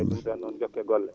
ndeen noon jokkee golle